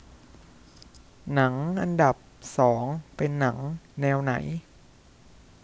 หนังอันดับสองเป็นหนังแนวไหน